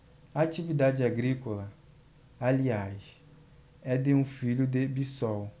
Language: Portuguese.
a atividade agrícola aliás é de um filho de bisol